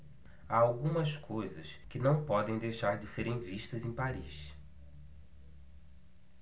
há algumas coisas que não podem deixar de serem vistas em paris